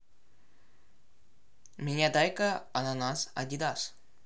меня дай ка ананас адидас